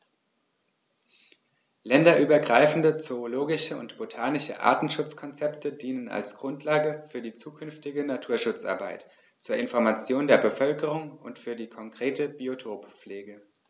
Länderübergreifende zoologische und botanische Artenschutzkonzepte dienen als Grundlage für die zukünftige Naturschutzarbeit, zur Information der Bevölkerung und für die konkrete Biotoppflege.